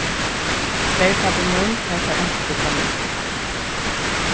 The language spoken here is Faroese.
verpápi mín fær sær onkuntíð konjak